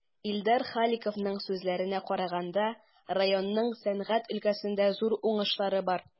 Илдар Халиковның сүзләренә караганда, районның сәнәгать өлкәсендә зур уңышлары бар.